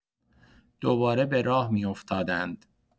دوباره به راه می‌افتادند.